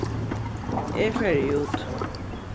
eg fari út